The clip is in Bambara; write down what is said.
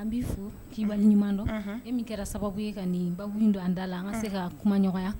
An b'i fo, k'i waliɲuman dɔn. Unhun! E min kɛra sababu ye ka ni baabuni do an da la, Unhun. an ka se k'an kumaɲɔgɔnya.